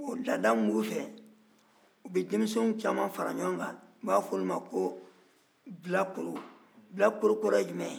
laada min b'u fɛ u bɛ denmisɛn caman fara ɲɔgɔn kan u b'a fɔ olu ko bilakorow bilakoro kɔrɔ ye jumɛn ye